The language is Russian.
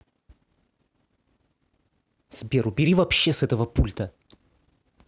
сбер убери вообще с этого пульта